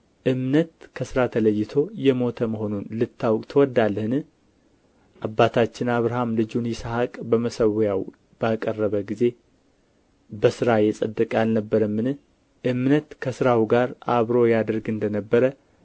እምነት ከሥራ ተለይቶ የሞተ መሆኑን ልታውቅ ትወዳለህን አባታችን አብርሃም ልጁን ይስሐቅን በመሠዊያው ባቀረበ ጊዜ በሥራ የጸደቀ አልነበረምን እምነት ከሥራው ጋር አብሮ ያደርግ እንደ ነበረ